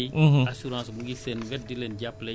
donc ñun tamit dañu ne mbay mi